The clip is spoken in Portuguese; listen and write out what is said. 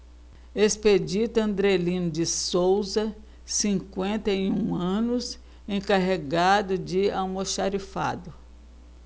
expedito andrelino de souza cinquenta e um anos encarregado de almoxarifado